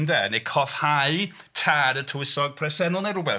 Ynde neu cofhau tad y tywysog presennol neu rywbeth.